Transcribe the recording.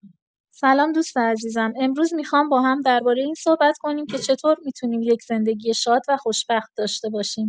سلام دوست عزیزم، امروز می‌خوام با هم درباره این صحبت کنیم که چطور می‌تونیم یک زندگی شاد و خوشبخت داشته باشیم.